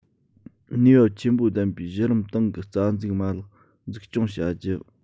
ནུས པ ཆེན པོ ལྡན པའི གཞི རིམ ཏང གི རྩ འཛུགས མ ལག འཛུགས སྐྱོང བྱ རྒྱུ